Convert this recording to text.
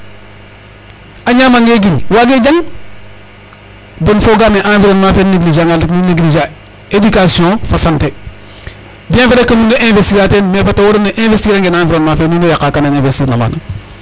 A ñaamangee giñ waagee jang bon foogaam ee environnement fen négliger angan rek nu négliger a éducation fa santé .Bien vrai koy nuun mbay investir a teen mais fat a worong ee o investir angee na environnement fe nuun way yaqaa ken investir na maana .